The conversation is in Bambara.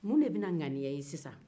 mun de bɛna ŋaniya i ye sisan